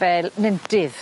Fel nentydd.